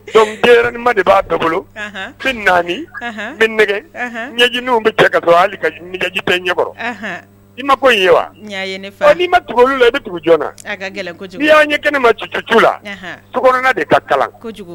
Dɔnkuc ma de b'a da bolo naani nɛgɛ ɲɛjinin bɛ cɛ haliji tɛ ɲɛkɔrɔ i ma ko ye wai ma dugu i bɛ dugu jɔn' ɲɛ kɛma la de ka kalan